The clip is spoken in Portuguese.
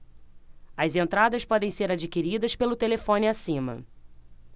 as entradas podem ser adquiridas pelo telefone acima